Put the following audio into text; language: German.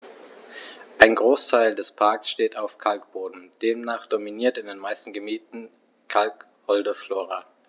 Ein Großteil des Parks steht auf Kalkboden, demnach dominiert in den meisten Gebieten kalkholde Flora.